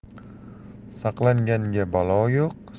saqlanganga balo yo'q